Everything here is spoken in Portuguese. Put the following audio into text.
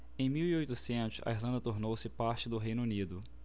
em mil e oitocentos a irlanda tornou-se parte do reino unido